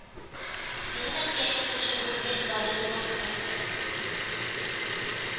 Минем әткәем икенче группа инвалиды булып кайтты